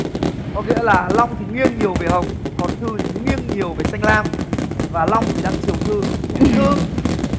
có nghĩa là long thì nghiêng nhiều về hồng còn thư thì nghiêng nhiều về xanh lam và long thì đang chiều thư đúng không thư